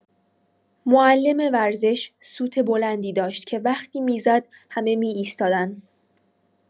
معلم ورزش سوت بلندی داشت که وقتی می‌زد همه می‌ایستادن.